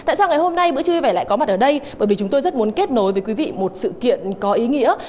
tại sao ngày hôm nay bữa trưa vui vẻ lại có mặt ở đây bởi vì chúng tôi rất muốn kết nối với quý vị một sự kiện có ý nghĩa